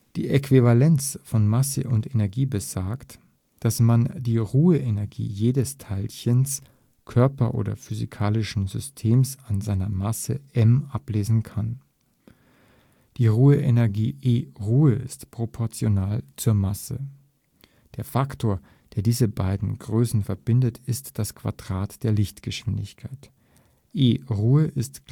Die Äquivalenz von Masse und Energie besagt, dass man die Ruheenergie jedes Teilchens, Körpers oder physikalischen Systems an seiner Masse m {\ displaystyle m} ablesen kann. Die Ruheenergie E Ruhe {\ displaystyle \, E_ {\ text {Ruhe}}} ist proportional zur Masse. Der Faktor, der diese beiden Größen verbindet, ist das Quadrat der Lichtgeschwindigkeit: E Ruhe = m c 2 {\ displaystyle \, E_ {\ text {Ruhe}} = mc^ {2}} Weil